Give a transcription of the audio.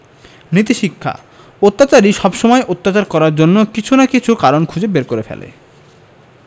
নীতিশিক্ষাঃ অত্যাচারী সবসময়ই অত্যাচার করার জন্য কিছু না কিছু কারণ খুঁজে বের করে ফেলে